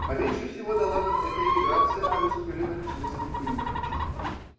А меньше всего дала нам эта эмиграция на русский рынок в смысле политическом.